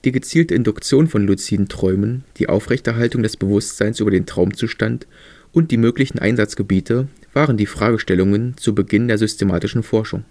gezielte Induktion von luziden Träumen, die Aufrechterhaltung des Bewusstseins über den Traumzustand und die möglichen Einsatzgebiete waren die Fragestellungen zu Beginn der systematischen Forschung